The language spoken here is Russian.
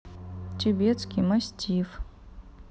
тибетский мастиф